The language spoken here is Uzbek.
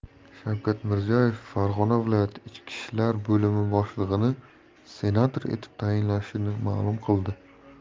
shavkat mirziyoyev farg'ona viloyati ichki ishlar boimi boshlig'ini senator etib tayinlashini ma'lum qildi